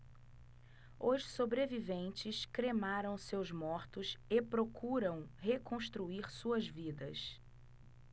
os sobreviventes cremaram seus mortos e procuram reconstruir suas vidas